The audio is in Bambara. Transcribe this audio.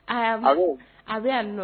Ayiwababu a bɛ'a nɔ